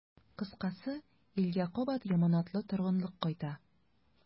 Кыскасы, илгә кабат яманатлы торгынлык кайта.